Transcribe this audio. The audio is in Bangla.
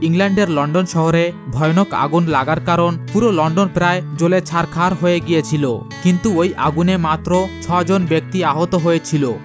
ইংল্যান্ডের লন্ডন শহরে ভয়ানক আগুন লাগার কারন পুরো লন্ডন প্রায় জ্বলে ছারখার হয়ে গিয়েছিল কিন্তু ওই আগুনে মাত্র ছয় জন ব্যক্তি আহত হয়েছিল